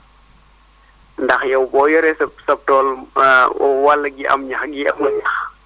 ndax yow boo yoree sa sa tool wàll jii am ñax jii amul ñax